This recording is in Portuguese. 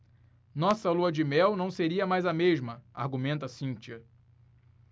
nossa lua-de-mel não seria mais a mesma argumenta cíntia